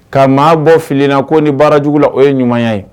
Ka maa bɔ filina ko ni baara jugu la o ye ɲuman ye